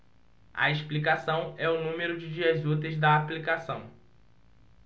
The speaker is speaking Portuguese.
a explicação é o número de dias úteis da aplicação